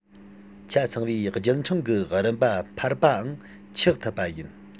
ཆ ཚང བའི བརྒྱུད ཕྲེང གི རིམ པ འཕར པའང ཆགས ཐུབ པ ཡིན